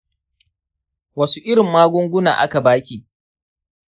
wasu irin magunguna aka baki?